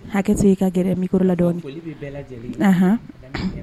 Hakɛ i ka gɛrɛ mi ladɔnɔn